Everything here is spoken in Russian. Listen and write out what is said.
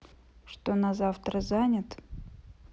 что на завтра занят